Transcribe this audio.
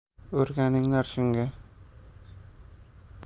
o'rganinglar shunga